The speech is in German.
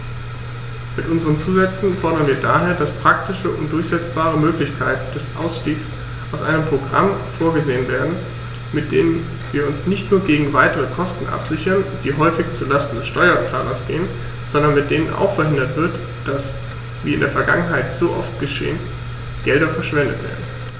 Mit unseren Zusätzen fordern wir daher, dass praktische und durchsetzbare Möglichkeiten des Ausstiegs aus einem Programm vorgesehen werden, mit denen wir uns nicht nur gegen weitere Kosten absichern, die häufig zu Lasten des Steuerzahlers gehen, sondern mit denen auch verhindert wird, dass, wie in der Vergangenheit so oft geschehen, Gelder verschwendet werden.